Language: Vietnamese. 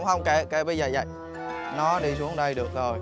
hổng kệ kệ bây giờ dạ nó đi xuống đây được rồi